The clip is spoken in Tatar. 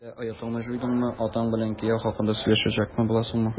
Әллә оятыңны җуйдыңмы, атаң белән кияү хакында сөйләшмәкче буласыңмы? ..